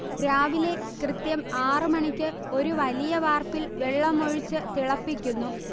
രാവിലെ കൃത്യം ആറ് മണിക്ക് ഒരു വലിയ വാർപ്പിൽ വെള്ളമൊഴിച്തിളപ്പിക്കുന്നു